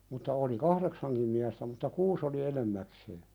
mutta oli kahdeksankin miestä mutta kuusi oli enimmäkseen